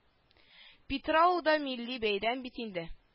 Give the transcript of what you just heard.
Питрау да милли бәйрәм бит инде